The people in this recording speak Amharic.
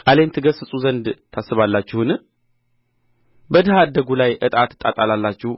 ቃሌን ትገሥጹ ዘንድ ታስባላችሁን በድሀ አደጉ ላይ ዕጣ ትጣጣላላችሁ